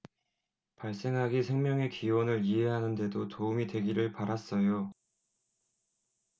발생학이 생명의 기원을 이해하는 데도 도움이 되기를 바랐어요